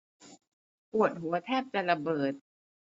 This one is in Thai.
ปวดหัวแทบจะระเบิด